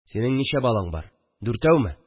– синең ничә балаң бар? дүртәүме